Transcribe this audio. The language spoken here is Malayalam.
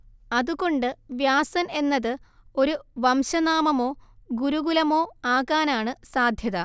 അതുകൊണ്ട് വ്യാസൻ എന്നത് ഒരു വംശനാമമോ ഗുരുകുലമോ ആകാനാണ് സാധ്യത